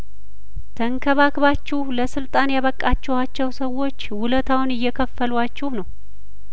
ተንከባክ ባችሁ ለስልጣን ያበቃችኋቸው ሰዎች ውለታውን እየከፈሏችሁ ነው